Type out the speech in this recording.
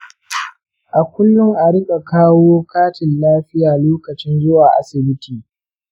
a kullum a riƙa kawo katin lafiya lokacin zuwa asibiti.